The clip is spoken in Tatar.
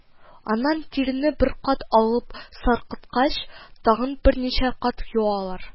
Аннан тирене бер кат алып саркыткач, тагын берничә кат юалар